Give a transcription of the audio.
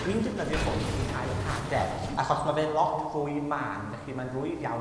dwi'n defnyddio hwn i hau hade, achos ma' fe'n lot fwy mân. Felly, mae'n rwydd iawn